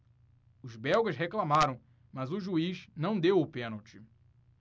os belgas reclamaram mas o juiz não deu o pênalti